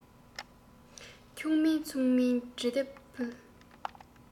འཁྱུག མིན ཚུགས མིན བྲིས ཏེ ཕུལ